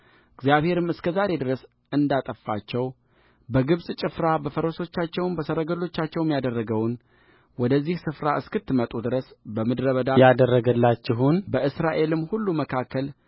እግዚአብሔርም እስከ ዛሬ ድረስ እንዳጠፋቸው በግብፅ ጭፍራ በፈረሶቻቸውም በሰረገሎቻቸውም ያደረገውንወደዚህ ስፍራ እስክትመጡ ድረስ በምድረ በዳ ያደረገላችሁንበእስራኤልም ሁሉ መካከል